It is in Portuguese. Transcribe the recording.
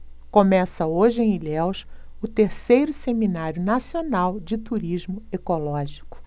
começa hoje em ilhéus o terceiro seminário nacional de turismo ecológico